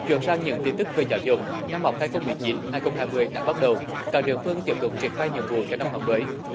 chuyển sang những tin tức về giáo dục năm học hai không mười chín hai không hai mươi đã bắt đầu các địa phương tiếp tục triển khai nhiệm vụ cho năm học mới